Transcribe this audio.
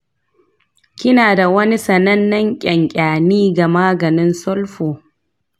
kina da wani sanannen ƙyanƙyani ga maganin sulfur?